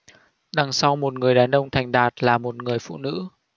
đằng sau một người đàn ông thành đạt là một người phụ nữ